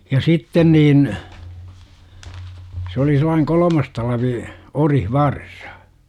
ja sitten niin se oli sellainen kolmannen talven orivarsa